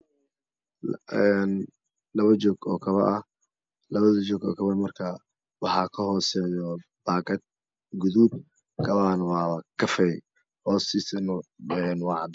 Laba joog oo kaba ah labada joog oo kabaha ah waxaa ka hooseeyo baakad guduudan kabahana waa kafay hoostiisana waa cadaan